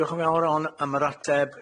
Diolch yn fawr iawn am yr ateb,